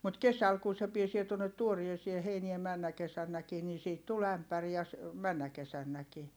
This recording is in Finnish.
mutta kesällä kun se pääsee tuonne tuoreeseen heinään menneenä kesänäkin niin siitä tuli ämpäri ja ja - menneenä kesänäkin